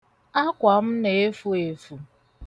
Akwa m na-efu efu.